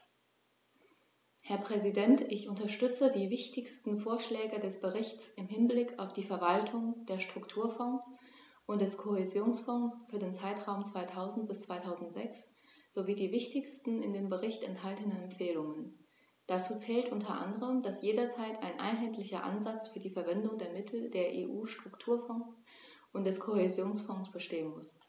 Herr Präsident, ich unterstütze die wichtigsten Vorschläge des Berichts im Hinblick auf die Verwaltung der Strukturfonds und des Kohäsionsfonds für den Zeitraum 2000-2006 sowie die wichtigsten in dem Bericht enthaltenen Empfehlungen. Dazu zählt u. a., dass jederzeit ein einheitlicher Ansatz für die Verwendung der Mittel der EU-Strukturfonds und des Kohäsionsfonds bestehen muss.